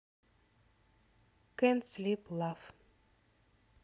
кен слип лав